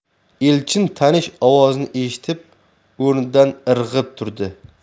elchin tanish ovozni eshitib o'rnidan irg'ib turdi